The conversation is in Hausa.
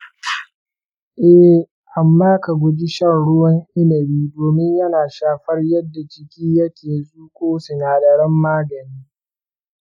eh, amma ka guji shan ruwan inabi domin yana shafar yadda jiki yake zuƙo sinadaran magani.